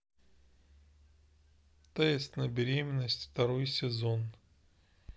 тест на беременность второй сезон